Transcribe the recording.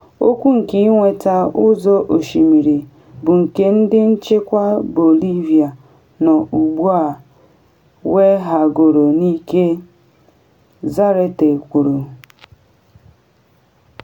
“Okwu nke ịnweta ụzọ osimiri bụ nke ndị nchịkwa Bolivia nọ ugbu a weghagoro n’ike,” Zárate kwuru.